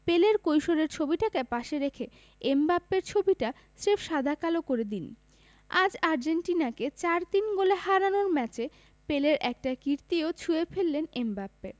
পেলের কৈশোরের ছবিটাকে পাশে রেখে এমবাপ্পের ছবিটা স্রেফ সাদা কালো করে দিন আজ আর্জেন্টিনাকে ৪ ৩ গোলে হারানোর ম্যাচে পেলের একটা কীর্তিও ছুঁয়ে ফেললেন এমবাপ্পে